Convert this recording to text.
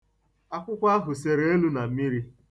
Akwụkwọ ahụ sere elu na mmiri.